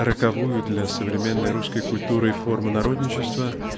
роковую для современной русской культуры форму народничества